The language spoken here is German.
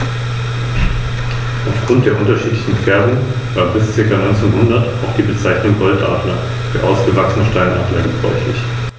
In den wenigen beobachteten Fällen wurden diese großen Beutetiere innerhalb von Sekunden getötet.